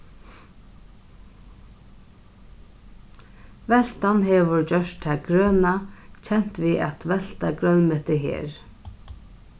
veltan hevur gjørt tað grøna kent við at velta grønmeti her